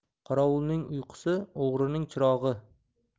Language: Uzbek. qorovulning uyqusi o'g'rining chirog'i